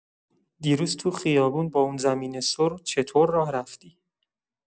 دیروز تو خیابون با اون زمین سر چطور راه رفتی؟